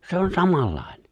se on samanlainen